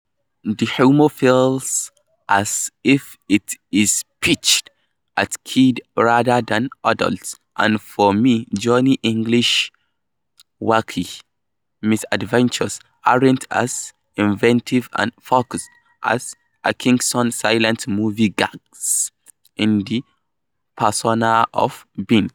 The humor feels as if it is pitched at kids rather than adults, and for me Johnny English's wacky misadventures aren't as inventive and focused as Atkinson's silent-movie gags in the persona of Bean.